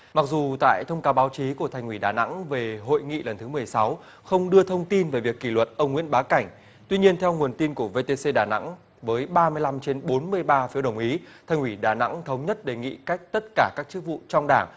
mặc dù tại thông cáo báo chí của thành ủy đà nẵng về hội nghị lần thứ mười sáu không đưa thông tin về việc kỷ luật ông nguyễn bá cảnh tuy nhiên theo nguồn tin của vê tê xê đà nẵng với ba mươi lăm trên bốn mươi ba phiếu đồng ý thành ủy đà nẵng thống nhất đề nghị cách tất cả các chức vụ trong đảng